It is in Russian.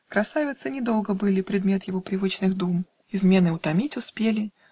Красавицы не долго были Предмет его привычных дум Измены утомить успели